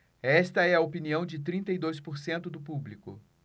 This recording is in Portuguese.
esta é a opinião de trinta e dois por cento do público